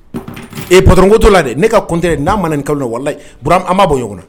e patron ko t'o la dɛ ne ka compteur n'a ma na nin kalo la walahi Bura an b'abɔ yen ɲɔgɔn na